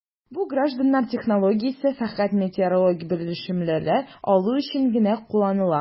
Бу гражданнар технологиясе фәкать метеорологик белешмәләр алу өчен генә кулланыла...